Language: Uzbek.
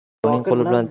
birovning qo'li bilan